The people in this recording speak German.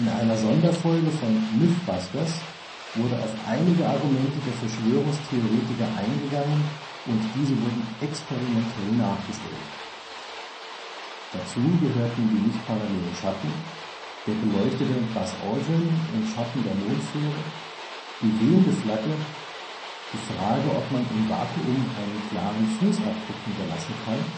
einer Sonderfolge von Mythbusters wurde auf einige Argumente der Verschwörungstheoretiker eingegangen, und diese wurden experimentell nachgestellt. Dazu gehörten die nicht parallelen Schatten, der beleuchtete Buzz Aldrin im Schatten der Mondfähre, die wehende Flagge, die Frage, ob man im Vakuum einen klaren Fußabdruck hinterlassen kann